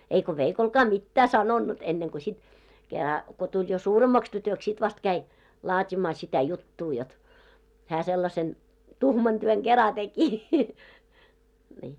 eikä veikollekaan mitään sanonut ennen kuin sitten kerran kun tuli jo suuremmaksi tytöksi sitten vasta kävi laatimaan sitä juttua jotta hän sellaisen tuhman työn kerran teki niin